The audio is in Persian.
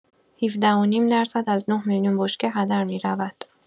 ۱۷ و نیم درصد از ۹ میلیون بشکه هدر می‌رود.